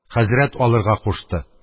Хәзрәт алырга кушты.